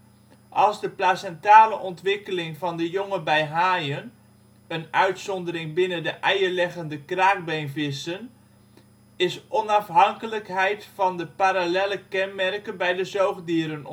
als de placentale ontwikkeling van de jongen bij de haaien (een uitzondering binnen de eierleggende kraakbeenvissen) is onafhankelijk van de parallelle kenmerken bij de zoogdieren